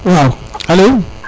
waw alo